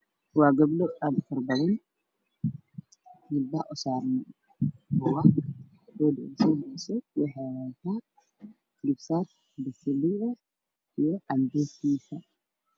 Waa gabdho aad ufara badan mid baa usaaran buugaag waxay wadataa garbo saar basari ah iyo canbuurkiisa